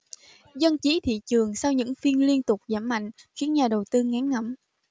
dân trí thị trường sau những phiên liên tục giảm mạnh khiến nhà đầu tư ngán ngẩm